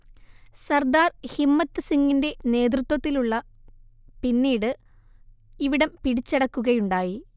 സർദാർ ഹിമ്മത്ത് സിങ്ങിന്റെ നേതൃത്വത്തിലുള്ള പിന്നീട് ഇവിടം പിടിച്ചടക്കുകയുണ്ടായി